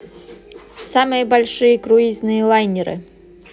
самые большие круизные лайнеры